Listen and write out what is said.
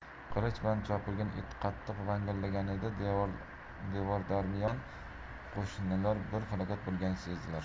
qilich bilan chopilgan it qattiq vangillaganda devordarmiyon qo'shnilar bir falokat bo'lganini sezadilar